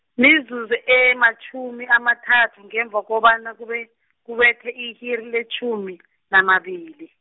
mizuzu ematjhumi amathathu ngemva kobana kube, kubethe i-iri letjhumi namabili.